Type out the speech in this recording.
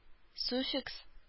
Суффикс